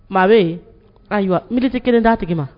Maa bɛ ayiwabili tɛ kelen d tigi ma